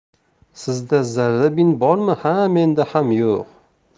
sizda zarrabin bormi ha menda ham yo'q